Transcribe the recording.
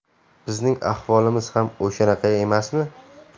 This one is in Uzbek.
bizning ahvolimiz ham o'shanaqa emasmi